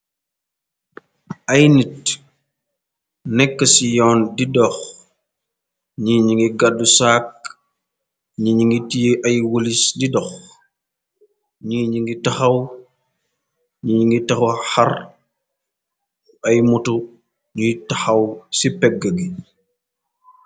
ay nit nekk ci yoon di dox ni ni ngi gaddu saak ni ni ngit ay wulis di dox ni ni ngi taxaw ni ni ngi taxa xar ay mutu ñuy taxaw ci pégg gi